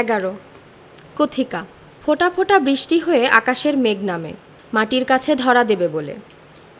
১১ কথিকা ফোঁটা ফোঁটা বৃষ্টি হয়ে আকাশের মেঘ নামে মাটির কাছে ধরা দেবে বলে